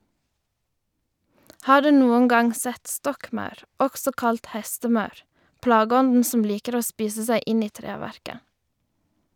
Har du noen gang sett stokkmaur, også kalt hestemaur, plageånden som liker å spise seg inn i treverket?